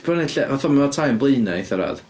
Dibynu lle, fatha ma' tai yn Blaenau eitha rhad.